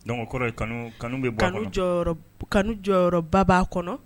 Donkɔrɔ kanu kanu bɛ kanu kanu jɔyɔrɔba'a kɔnɔ